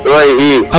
oui i